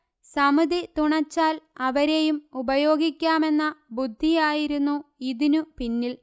സമിതി തുണച്ചാൽ അവരെയും ഉപയോഗിക്കാമെന്ന ബുദ്ധിയായിരുന്നു ഇതിനു പിന്നിൽ